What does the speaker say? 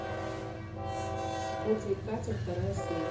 котя и катя вторая серия